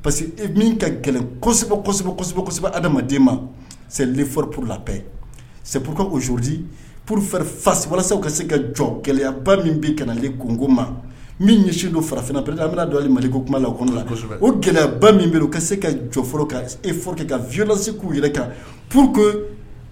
Parce que min ka kɛlɛ kosɛbɛ kosɛbɛ kosɛbɛ kosɛbɛ adama maleforoporolap seporokazodi poroffa walasa ka se ka jɔ gɛlɛyaba min bɛ koko ma min ɲɛsin don farafin p an bɛna don ale maliko kuma la o kɔnɔsɛbɛ o gɛlɛyaba min u ka se ka jɔforo eoro ka vylasiku yɛrɛ kan purku